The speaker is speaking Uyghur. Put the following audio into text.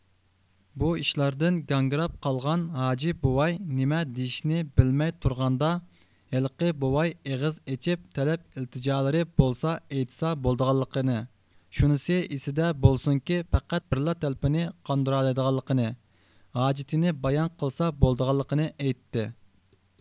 بۇ ئىشلاردىن گاڭگىراپ قالغان ھاجى بوۋاي نېمە دېيىشنى بىلمەي تۇرغاندا ھېلىقى بوۋاي ئېغىز ئېچىپ تەلەپ ئىلتىجالىرى بولسا ئېيتسا بولىدىغانلىقىنى شۇنىسى ئېسىىدە بولسۇنكى پەقەت بىرلا تەلىپىنى قاندۇرالايدىغانلىقىنى ھاجىتىنى بايان قىلسا بولىدىغانلىقىنى ئېيتتى